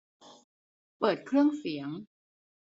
เปิดเครื่องเสียง